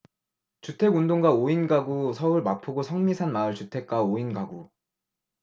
주택운동가 오 인가구서울 마포구 성미산 마을 주택운동가 오 인가구